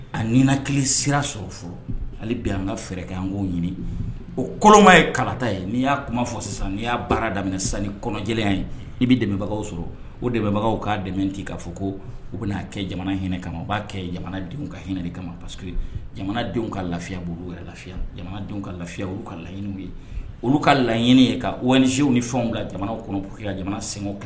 A bɛ an ka fɛɛrɛ ɲini o kolonma karata ye n'i y'a kuma fɔ sisan n'i y'a baara daminɛ san ni kɔnɔjɛya ye i bɛ dɛmɛbagaw sɔrɔ o dɛbagaw k' dɛmɛ tɛ k'a fɔ ko u bɛ'a kɛ jamana hinɛ kama u b'a kɛ jamanadenw ka hinɛ kama pa jamanadenw ka lafiya olu yɛrɛ lafiyadenw ka lafiya olu ka laɲiniiniw ye olu ka laɲɲiniini ye ka ww ni fɛnw la jamana kɔnɔ ka jamana segu kɛlɛ